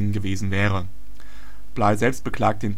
gewesen wäre. Bligh selbst beklagte